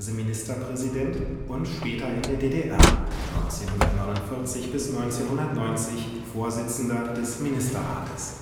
Ministerpräsident “) und später in der DDR (1949 – 1990, „ Vorsitzender des Ministerrates